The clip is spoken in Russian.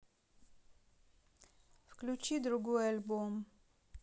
включи другой альбом